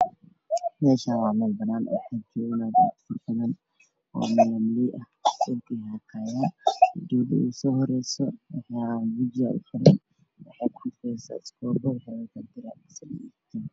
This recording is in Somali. Meeshaan waa meel banaan ah waxaa joogo naago malaamiley ah oo dhulka xaaqaayo. Gabadha ugu soohoreyso waxay wadataa iskoobe, diracna way xiran tahay.